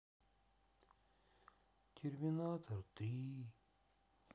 терминатор три